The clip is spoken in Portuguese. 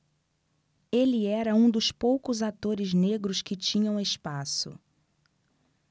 ele era um dos poucos atores negros que tinham espaço